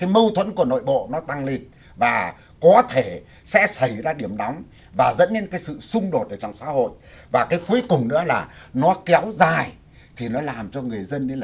mâu thuẫn của nội bộ nó tăng lên và có thể sẽ xảy ra điểm nóng và dẫn lên cái sự xung đột ở trong xã hội và thức cuối cùng nữa là nó kéo dài thì nó làm cho người dân